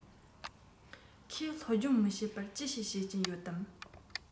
ཁོས སློབ སྦྱོང མི བྱེད པར ཅི ཞིག བྱེད ཀྱིན ཡོད དམ